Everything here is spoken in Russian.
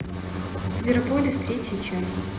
зверополис третья часть